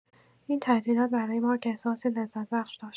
این تعطیلات برای مارک احساسی لذت‌بخش داشت.